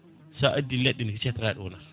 sa addi leɗɗene ko ceteraɗe wonata